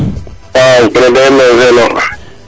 ndiene sene o